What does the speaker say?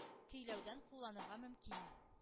Көйләүдә кулланырга мөмкин.